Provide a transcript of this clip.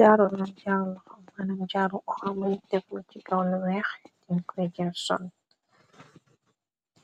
jaru rak jarlo mënam jaru oxamun tegme ci kawnweex din kuejer son